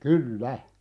kyllä